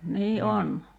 niin on